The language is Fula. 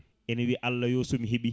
ene wiya Allah yo somi heeɓi